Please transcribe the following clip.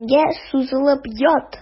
Идәнгә сузылып ят.